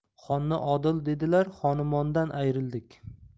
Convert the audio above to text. xonni odil dedilar xonumondan ayrildik